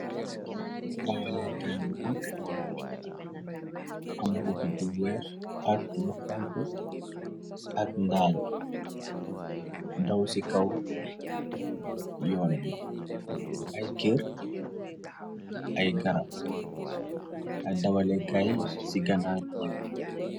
dawalekaay bu mag am bopp buy weer ak lu xank ak ndaal daw ci kaw yoon bi ay kër ay karab ay dawalekaay ci ganaayu yëw